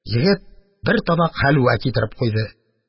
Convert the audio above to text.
Егет бер табак хәлвә китереп куйды.